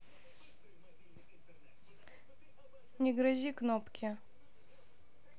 не грози кнопки